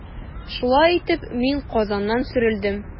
Шулай итеп, мин Казаннан сөрелдем.